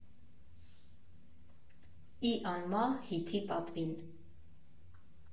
֊ի անմահ հիթի պատվին։